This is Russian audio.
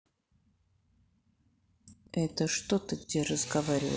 это что ты где разговариваешь